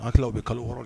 Anki aw bɛ kalo yɔrɔ